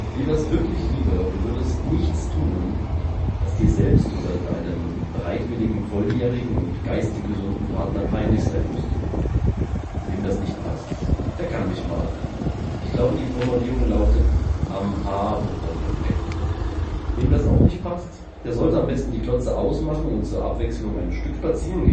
Mir wär’ s wirklich lieber, Du würdest nichts tun, das Dir selbst oder Deinem bereitwilligen, volljährigen und geistig gesunden Partner peinlich sein müsste. Wem das nicht passt, der kann mich mal – ich glaube, die Formulierung lautet: am A **** lecken. Wem das auch nicht passt, der sollte am besten die Glotze ausmachen und zur Abwechslung ein Stück spazieren